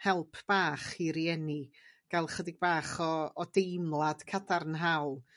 help bach i rieni ga'l chydig bach o o deimlad cadarnhaol.